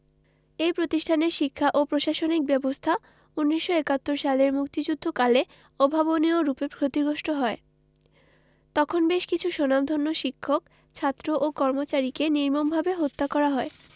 এ প্রতিষ্ঠানের শিক্ষা ও প্রশাসনিক ব্যবস্থা ১৯৭১ সালের মুক্তিযুদ্ধকালে অভাবনীয়রূপে ক্ষতিগ্রস্ত হয় তখন বেশ কিছু স্বনামধন্য শিক্ষক ছাত্র ও কর্মচারীকে নির্মমভাবে হত্যা করা হয়